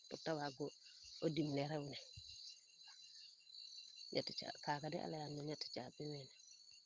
pour te waago dimle rew we kaaga de a leyaan no ñeti caabi neene